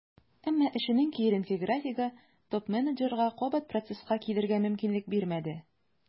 Әмма эшенең киеренке графигы топ-менеджерга кабат процесска килергә мөмкинлек бирмәде.